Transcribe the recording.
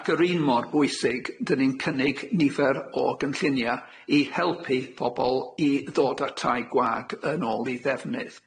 Ac yr un mor bwysig, 'dyn ni'n cynnig nifer o gynllunia i helpu pobol i ddod â tai gwag yn ôl i ddefnydd.